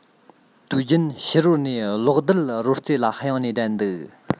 དུས རྒྱུན ཕྱི རོལ ནས གློག རྡུལ རོལ རྩེད ལ གཡེང ནས བསྡད འདུག